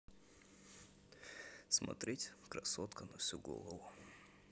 смотреть красотка на всю голову